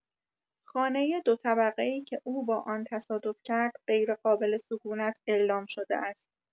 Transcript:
خانه دو طبقه‌ای که او با آن تصادف کرد «غیرقابل سکونت» اعلام شده است.